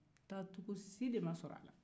taacogo si de ma sɔrɔ a la